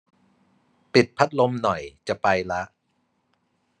ปิดพัดลมหน่อยจะไปละ